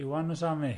Iwan Wasami.